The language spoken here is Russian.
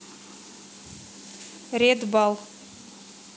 ред бал